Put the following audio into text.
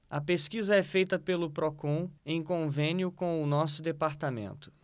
a pesquisa é feita pelo procon em convênio com o diese